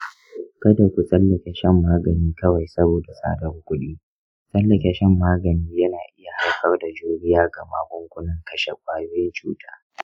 kada ku tsallake shan magani kawai saboda tsadar kuɗi, tsallake shan magani yana iya haifar da juriya ga magungunan kashe ƙwayoyin cuta